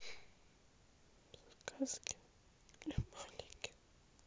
сказки для маленьких